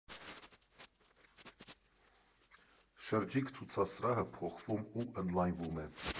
Շրջիկ ցուցասրահը փոխվում ու ընդլայնվում է։